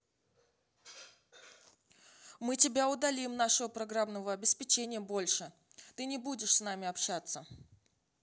мы тебя удалим нашего программного обеспечения больше ты не будешь с нами общаться